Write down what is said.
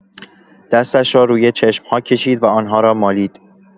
دستش را روی چشم‌ها کشید و آنها را مالید.